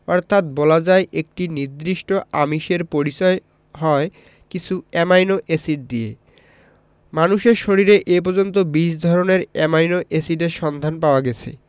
অর্থাৎ বলা যায় একটি নির্দিষ্ট আমিষের পরিচয় হয় কিছু অ্যামাইনো এসিড দিয়ে মানুষের শরীরে এ পর্যন্ত ২০ ধরনের অ্যামাইনো এসিডের সন্ধান পাওয়া গেছে